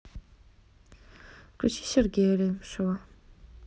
включи сергея лемешева